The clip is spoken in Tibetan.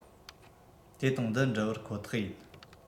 དེ དང འདི འདྲི བར ཁོ ཐག ཡིན